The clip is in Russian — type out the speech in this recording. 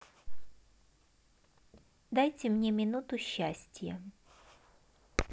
дайте мне минуту счастья